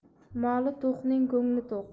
moli to'qning ko'ngli to'q